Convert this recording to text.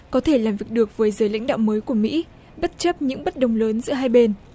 có thể làm được với giới lãnh đạo mới của mỹ bất chấp những bất đồng lớn giữa hai bên